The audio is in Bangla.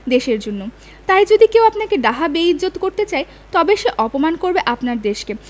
দেশের জন্য তাই যদি কেউ আপনাকে ডাহা বেইজ্জত্ করতে চায় তবে সে অপমান করবে আপনার দেশকে